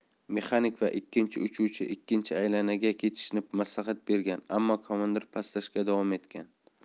mexanik va ikkinchi uchuvchi ikkinchi aylanaga ketishni maslahat bergan ammo komandir pastlashda davom etgan